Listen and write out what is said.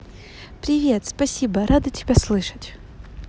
привет спасибо рада тебя слышать